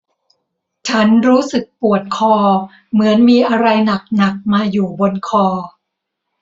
ฉันรู้สึกปวดคอเหมือนมีอะไรหนักหนักมาอยู่บนคอ